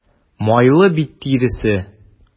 Майлы бит тиресе.